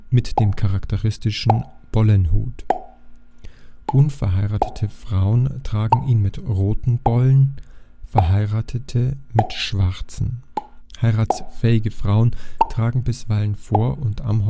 mit dem charakteristischen Bollenhut. Unverheiratete Frauen tragen ihn mit roten „ Bollen “, verheiratete mit schwarzen. Heiratsfähige Frauen tragen bisweilen vor und am